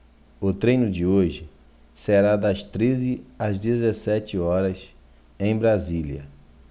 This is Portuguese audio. o treino de hoje será das treze às dezessete horas em brasília